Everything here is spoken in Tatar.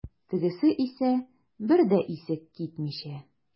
Тегесе исә, бер дә исе китмичә.